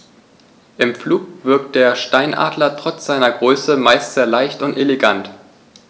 Im Flug wirkt der Steinadler trotz seiner Größe meist sehr leicht und elegant.